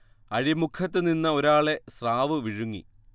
അഴിമുഖത്ത് നിന്ന ഒരാളെ സ്രാവ് വിഴുങ്ങി